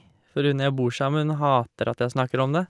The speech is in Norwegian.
For hun jeg bor sammen med, hun hater at jeg snakker om det.